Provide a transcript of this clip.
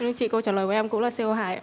em thưa chị câu trả lời của em cũng là xê ô hai ạ